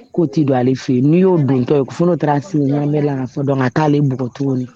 Ko t'i don ale fɛ yen n'u y'o duntɔ yen f taara se bɛ fɔ dɔn ka taa ale b cogo